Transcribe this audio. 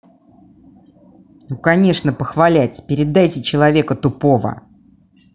ну конечно похвалять передайте человека тупого